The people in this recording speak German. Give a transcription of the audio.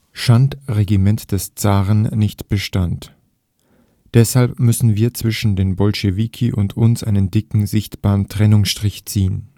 Schandregiment des Zaren nicht bestand. (…) Deshalb müssen wir zwischen den Bolschewiki und uns einen dicken, sichtbaren Trennungsstrich ziehen